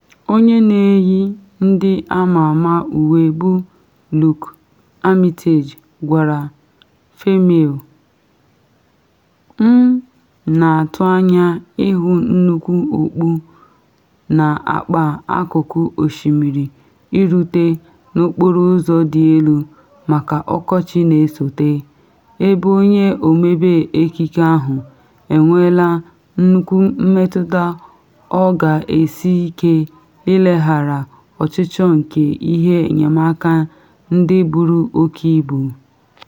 Onye na eyi ndị ama ama uwe bụ Luke Armitage gwara FEMAIL: “M na atụ anya ịhụ nnukwu okpu na akpa akụkụ osimiri irute n’okporo ụzọ dị elu maka ọkọchị na esote - ebe onye ọmebe ekike ahụ enweela nnukwu mmetụta ọ ga-esi ike ịleghara ọchụchọ nke ihe enyemaka ndị buru oke ibu.’